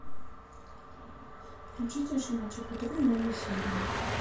включите щенячий патруль новые серии